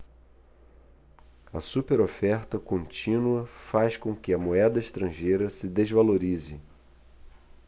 a superoferta contínua faz com que a moeda estrangeira se desvalorize